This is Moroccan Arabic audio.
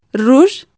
روج